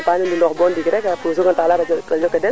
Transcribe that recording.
merci beaucoup fatou Diop kene ka fi e fasaɓo de